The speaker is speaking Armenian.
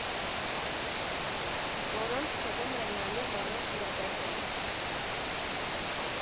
Որոնց թվում էր նաև Վանո Սիրադեղյանը։